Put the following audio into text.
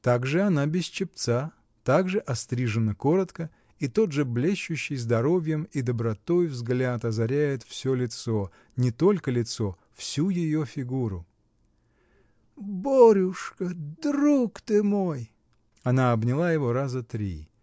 Так же она без чепца, так же острижена коротко, и тот же блещущий здоровьем и добротой взгляд озаряет всё лицо, не только лицо, всю ее фигуру. — Борюшка! друг ты мой! Она обняла его раза три.